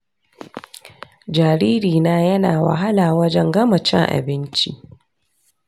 jaririna yana wahala wajen gama cin abinci.